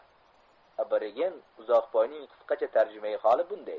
aborigen uzuqboyning qisqacha tarjimai holi bunday